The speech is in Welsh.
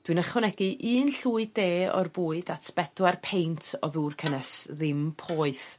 dwi'n ychwanegu un llwy de o'r bwyd at bedwar peint o ddŵr cynnes ddim poeth